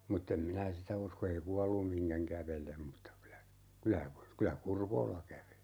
mutta en minä sitä usko ei kuollut mihinkään kävele mutta kyllä kyllä kyllä Kurvola käveli